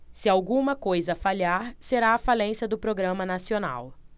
se alguma coisa falhar será a falência do programa nacional